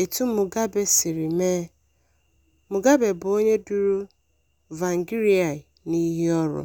etu Mugabe siri mee, Mugabe bụ onye duru Tsvangirai n'iyi ọrụ.